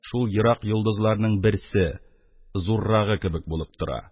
Шул ерак йолдызларның берсе — зуррагы кебек булып тора.